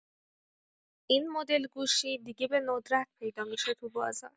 این مدل گوشی دیگه به‌ندرت پیدا می‌شه تو بازار.